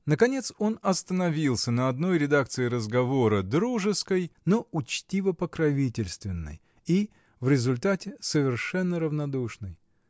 Наконец он остановился на одной редакции разговора, дружеской, но учтиво-покровительственной и, в результате, совершенно равнодушной.